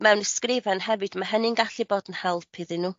mewn ysgrifen hefyd ma' hynny'n gallu bod yn helpu iddyn n'w.